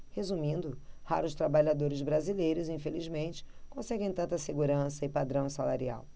resumindo raros trabalhadores brasileiros infelizmente conseguem tanta segurança e padrão salarial